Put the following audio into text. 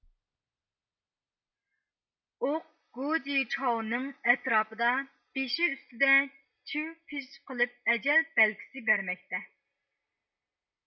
ئوق گو جىچياۋنىڭ ئەتراپىدا بېشى ئۈستىدە چىۋ پىژ قىلىپ ئەجەل بەلگىسى بەرمەكتە